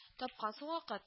– тапкансың вакыт